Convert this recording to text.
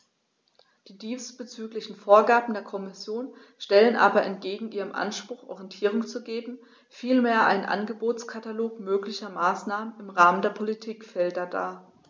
Die diesbezüglichen Vorgaben der Kommission stellen aber entgegen ihrem Anspruch, Orientierung zu geben, vielmehr einen Angebotskatalog möglicher Maßnahmen im Rahmen der Politikfelder dar.